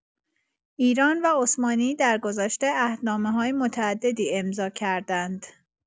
ایران و عثمانی درگذشته عهدنامه‌های متعددی امضا کردند.